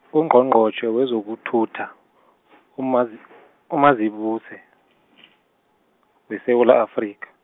Ungqongqotjhe wezokuthutha, UMazi- uMazibuse , weSewula Afrika.